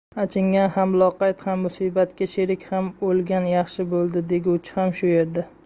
achingan ham loqayd ham musibatga sherik ham o'lgani yaxshi bo'ldi deguvchi ham shu yerda